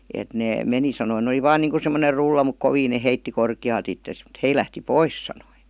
että ne meni sanoi ne oli vain niin kuin semmoinen rulla mutta kovin ne heitti korkealta itsensä mutta he lähti pois sanoi